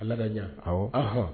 awɔ